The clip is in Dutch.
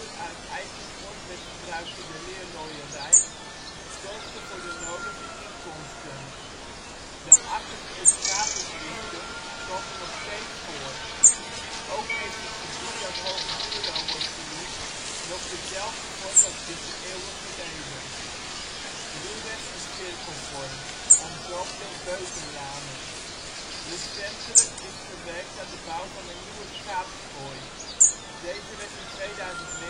uit eikenschors werd gebruikt in de leerlooierij) zorgden voor de nodige inkomsten. Schaapskooi (2009) te Hoog Buurlo De akkers en schapendriften komen nog steeds voor. Ook heeft het gebied dat hoog Buurlo wordt genoemd nog dezelfde vorm als drie eeuwen geleden: ruwweg een cirkelvorm, omzoomd door beukenlanen. Recentelijk is gewerkt aan de bouw van een nieuwe schaapskooi. Deze werd in 2009